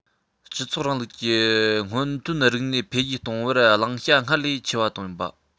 སྤྱི ཚོགས རིང ལུགས ཀྱི སྔོན ཐོན རིག གནས འཕེལ རྒྱས གཏོང བར བླང བྱ སྔར ལས ཆེ བ བཏོན པ